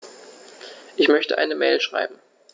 Ich möchte eine Mail schreiben.